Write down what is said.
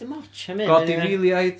dim ots am hyn anyway... Godifeiliaid